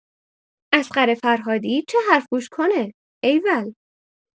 اصغر فرهادی چه حرف گوش کنه، ایول!